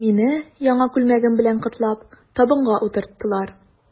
Мине, яңа күлмәгем белән котлап, табынга утырттылар.